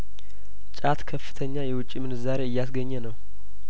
ጫት ከፍተኛ የውጪምንዛሪ እያስገኘ ነው